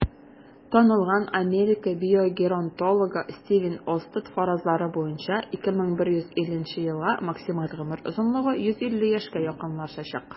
Танылган Америка биогеронтологы Стивен Остад фаразлары буенча, 2150 елга максималь гомер озынлыгы 150 яшькә якынлашачак.